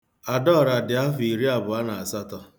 Adaọra dị ̣afọ iri abụọ na asatọ.